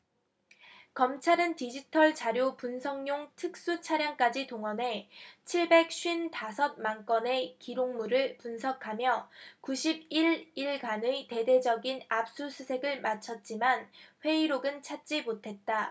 검찰은 디지털자료 분석용 특수차량까지 동원해 칠백 쉰 다섯 만건의 기록물을 분석하며 구십 일 일간의 대대적인 압수수색을 마쳤지만 회의록은 찾지 못했다